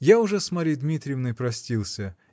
-- Я уже с Марьей Дмитриевной простился.